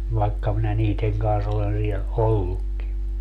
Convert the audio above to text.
vaikka minä niiden kanssa olen lie ollutkin